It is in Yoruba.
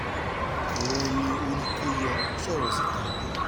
Àwọn Ẹni-orí-kó-yọ sọ̀rọ̀ síta